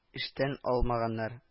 Эштән алмаганнар